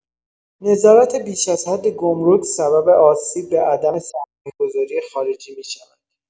نظارت بیش از حد گمرک سبب آسیب به عدم سرمایه‌گذاری خارجی می‌شود.